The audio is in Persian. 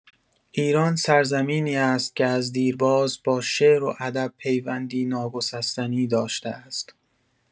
ایران سرزمینی است که از دیرباز با شعر و ادب پیوندی ناگسستنی داشته است.